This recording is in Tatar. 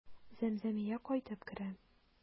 Зәмзәмия кайтып керә.